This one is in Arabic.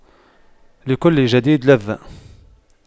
لكل جديد لذة